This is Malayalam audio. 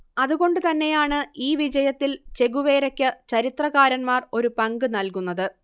അതുകൊണ്ടുതന്നെയാണ് ഈ വിജയത്തിൽ ചെഗുവേരയ്ക്ക് ചരിത്രകാരന്മാർ ഒരു പങ്ക് നല്കുന്നത്